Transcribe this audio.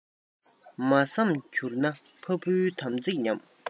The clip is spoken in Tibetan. མ བསམས གྱུར ན ཕ བུའི དམ ཚིགས ཉམས